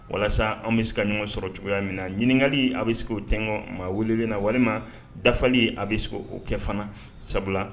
Walasa an bɛ se ka ɲɔgɔn sɔrɔ cogoya min na ɲininkakali a bɛ se o tɛ maa welelen na walima dafali a bɛ sɔn o kɛ fana sabula